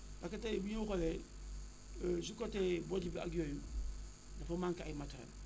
parce tey bu ñu xoolee si côté bojj bi ak yooyu dafa manqué ay matériels